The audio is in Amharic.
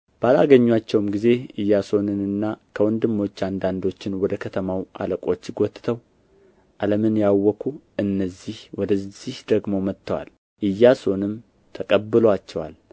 ባላገኙአቸውም ጊዜ ኢያሶንንና ከወንድሞች አንዳንዶችን ወደ ከተማው አለቆች ጎትተው ዓለምን ያወኩ እነዚህ ወደዚህ ደግሞ መጥተዋል ኢያሶንም ተቀብሎአቸዋል